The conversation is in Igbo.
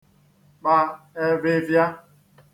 kpa ẹfhịfhịa